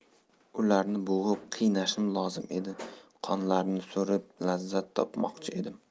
ularni bo'g'ib qiynashim lozim edi qonlarini so'rib lazzat topmoqchi edim